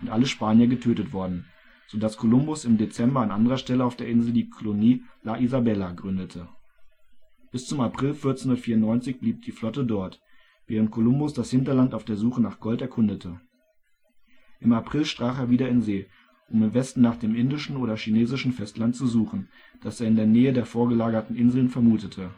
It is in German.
alle Spanier getötet worden, so dass Kolumbus im Dezember an anderer Stelle auf der Insel die Kolonie La Isabela gründete. Bis zum April 1494 blieb die Flotte dort, während Kolumbus das Hinterland auf der Suche nach Gold erkundete. Im April stach er wieder in See, um im Westen nach dem indischen oder chinesischen Festland zu suchen, das er in der Nähe der vorgelagerten Inseln vermutete